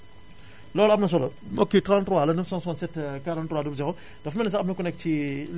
loolu am na solo mbokk yi 33 la 967 43 00 dafa mel ni sax am na ku nekk ci